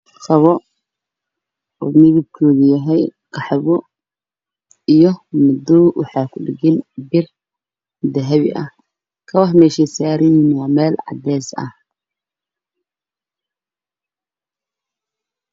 Halkaan waxaa ka muuqdo kabo qaxwi iyo madaw iskugu jiro gabaha meesha ay saaran yihiin waa meel cadays ah